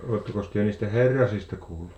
olettekos te niistä Herrasista kuullut